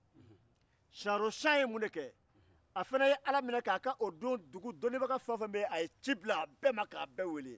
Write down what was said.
siyanro shɔn ye ci bila dugu dɔnnibaga bɛɛ ma k'a bɛɛ weele